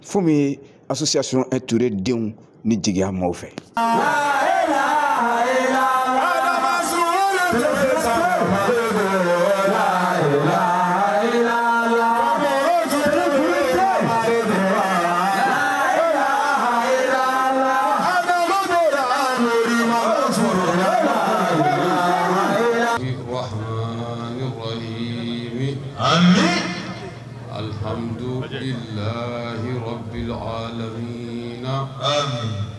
Fu min asison euredenw ni jigiya mɔgɔw fɛ a min mu layi a